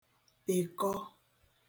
pị̀kọ